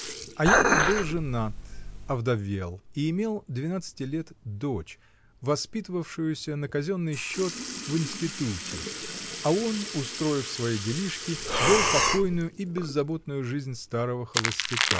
Аянов был женат, овдовел и имел двенадцати лет дочь, воспитывавшуюся на казенный счет в институте, а он, устроив свои делишки, вел покойную и беззаботную жизнь старого холостяка.